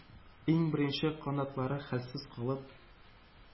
Иң беренче канатлары хәлсез калып,